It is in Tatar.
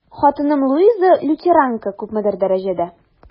Хатыным Луиза, лютеранка, күпмедер дәрәҗәдә...